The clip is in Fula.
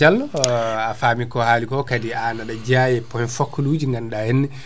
Diallo a faami ko haaliko kadi an aɗa jeeya e point focale ɗi ganduɗa henna